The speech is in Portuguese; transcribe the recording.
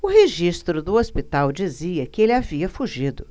o registro do hospital dizia que ele havia fugido